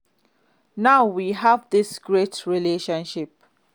Now we have this great relationship."